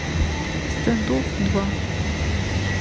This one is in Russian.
стэндофф два